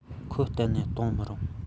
ཁོ གཏན ནས གཏོང མི རུང